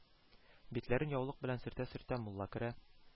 Битләрен яулык белән сөртә-сөртә, Мулла керә